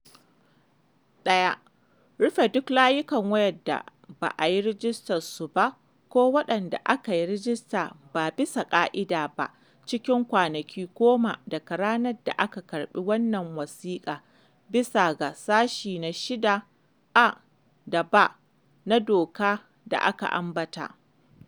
1-Rufe duk layukan wayar da ba a yi rajistan su ba ko waɗanda aka yi rajista ba bisa ƙa’ida ba cikin kwanaki 10 daga ranar da aka karɓi wannan wasiƙa, bisa ga Sashe na 6 (a) da (b) na Dokar da aka ambata.